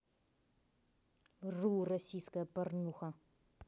ру российская порнуха